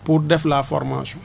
pour def la formation